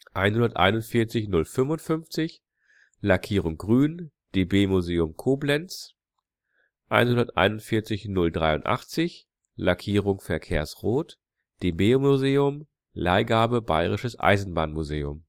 141 055 (Lackierung: grün, DB Museum Koblenz) 141 083 (Lackierung: verkehrsrot, DB-Museum, Leihgabe Bayerisches Eisenbahnmuseum